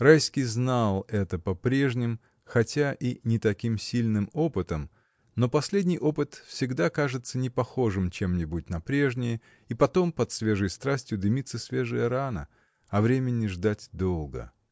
Райский знал это по прежним, хотя и не таким сильным, опытам, но последний опыт всегда кажется не похожим чем-нибудь на прежние, и потом под свежей страстью дымится свежая рана, а времени ждать долго.